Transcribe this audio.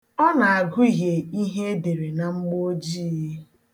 Ọ na-agụhie ihe e dere na mgboojii.